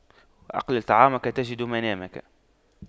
أقلل طعامك تجد منامك